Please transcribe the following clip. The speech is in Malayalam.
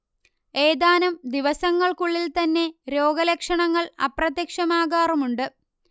ഏതാനും ദിവസങ്ങൾക്കുള്ളിൽ തന്നെ രോഗലക്ഷണങ്ങൾ അപ്രത്യക്ഷമാകാറുമുണ്ട്